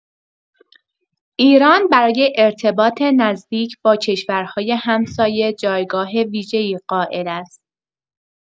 ایران برای ارتباط نزدیک با کشورهای همسایه جایگاه ویژه‌ای قائل است.